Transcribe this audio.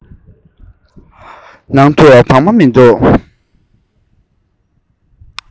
ནང དུ བག མ མི འདུག